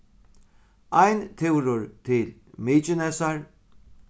ein túrur til mykinesar